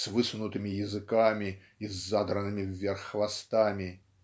с высунутыми языками и с задранными вверх хвостами"